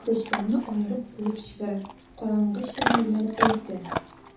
әтәчләрне аерып куып җибәрә, караңгы чырай белән әйтә: